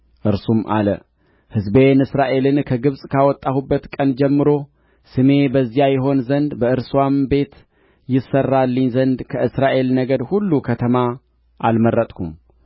እርሱም አለ ሕዝቤን እስራኤልን ከግብፅ ካወጣሁበት ቀን ጀምሮ ስሜ በዚያ ይሆን ዘንድ በእርስዋም ቤት ይሠራልኝ ዘንድ ከእስራኤል ነገድ ሁሉ ከተማ አልመረጥሁም